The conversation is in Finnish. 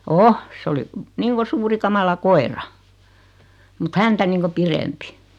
on se oli niin kuin suuri kamala koira mutta häntä niin kuin pidempi